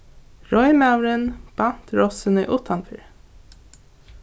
reiðmaðurin bant rossini uttanfyri